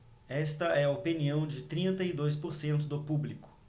esta é a opinião de trinta e dois por cento do público